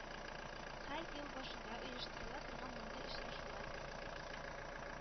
Һәр ел башында оештырыла торган мондый очрашулар